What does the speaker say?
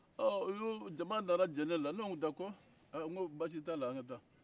ɔ y'o jama nana jɛ ne la ne ko basi t'a la an ka taa